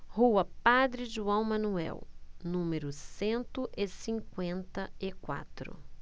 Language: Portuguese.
rua padre joão manuel número cento e cinquenta e quatro